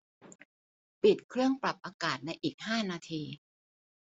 ปิดเครื่องปรับอากาศในอีกห้านาที